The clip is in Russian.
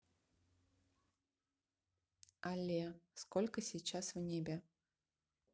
алле сколько сейчас в небе